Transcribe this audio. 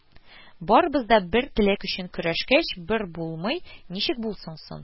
Барыбыз да бер теләк өчен көрәшкәч, бер булмый, ничек булсын соң